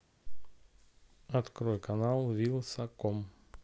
открой канал вилсаком